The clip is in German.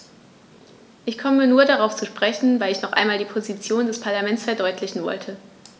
Ich komme nur darauf zu sprechen, weil ich noch einmal die Position des Parlaments verdeutlichen wollte.